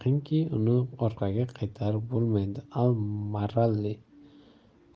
yaqinki uni orqaga qaytarib bo'lmaydi al maarri